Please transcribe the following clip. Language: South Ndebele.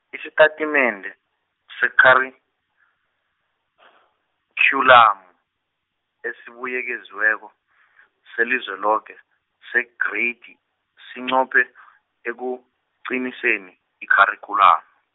isitatimende, sekharikhyulamu, esibuyekeziweko , selizweloke, segreyidi, sinqophe , ekuqiniseni, ikharikhyulamu.